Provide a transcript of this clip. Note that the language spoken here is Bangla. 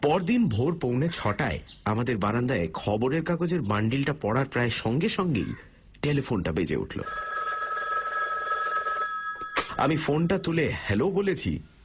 পরদিন ভোর পৌনে ছটায় আমাদের বারান্দায় খবরের কাগজের বান্ডিলটা পড়ার প্রায় সঙ্গে সঙ্গেই টেলিফোনটা বেজে উঠল আমি ফোনটা তুলে হ্যালো বলেছি